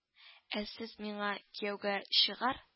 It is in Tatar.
Ә сез миңа кияүгә чыгар